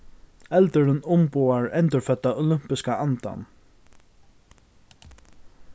eldurin umboðar endurfødda olympiska andan